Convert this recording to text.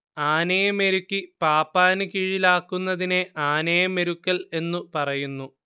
ആനയെ മെരുക്കി പാപ്പാന് കീഴിലാക്കുന്നതിനെ ആനയെ മെരുക്കൽ എന്നു പറയുന്നു